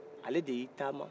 ale de y'i taama